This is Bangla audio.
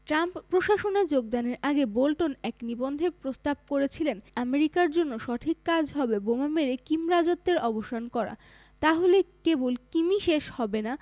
ট্রাম্প প্রশাসনে যোগদানের আগে বোল্টন এক নিবন্ধে প্রস্তাব করেছিলেন আমেরিকার জন্য সঠিক কাজ হবে বোমা মেরে কিম রাজত্বের অবসান করা তাহলে কেবল কিমই শেষ হবে না